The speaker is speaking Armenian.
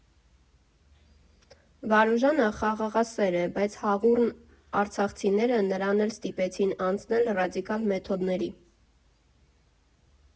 Վարուժանը խաղաղասեր է, բայց հախուռն արցախցիները նրան էլ ստիպեցին անցնել ռադիկալ մեթոդների։